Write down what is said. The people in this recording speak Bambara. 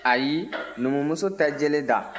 ayi numumuso tɛ jele da